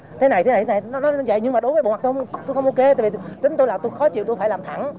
thế này thế này nó vậy nhưng đối với bộ mặt tôi tôi không ô kê tại vì tính tôi là tôi khó chịu tôi phải làm thẳng